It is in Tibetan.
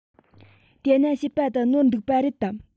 དེ ན བཤད པ འདི ནོར འདུག པ རེད དམ